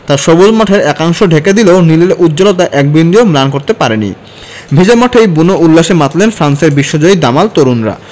তা সবুজ মাঠের একাংশ ঢেকে দিলেও নীলের উজ্জ্বলতা এক বিন্দুও ম্লান করতে পারেনি ভেজা মাঠেই বুনো উল্লাসে মাতলেন ফ্রান্সের বিশ্বজয়ী দামাল তরুণরা